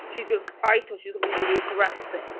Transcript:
She's... I thought she was going to be really aggressive.